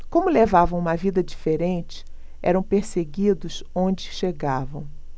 como levavam uma vida diferente eram perseguidos onde chegavam